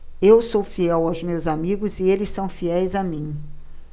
eu sou fiel aos meus amigos e eles são fiéis a mim